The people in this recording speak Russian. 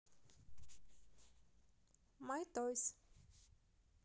май тойс